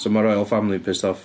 So ma'r royal family yn pissed off.